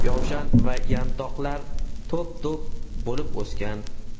yovshan va yantoqlar to'p to'p bo'lib o'sgan